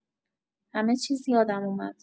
همه چیز یادم اومد.